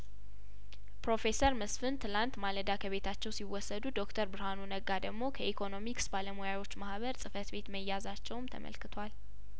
ፕሮፌሰር መስፍን ትላንት ማለዳ ከቤታቸው ሲወሰዱ ዶክተር ብርሀኑ ነጋ ደግሞ ከኢኮኖሚክስ ባለሙያዎች ማህበር ጽፈት ቤት መያዛቸውም ተመልክቷል